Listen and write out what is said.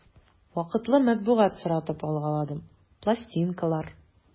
Вакытлы матбугат соратып алгаладым, пластинкалар...